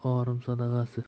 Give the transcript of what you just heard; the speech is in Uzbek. jon orim sadag'asi